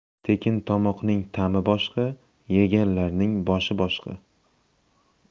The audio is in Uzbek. tekin tomoqning ta'mi boshqa yeganlarning boshi qashqa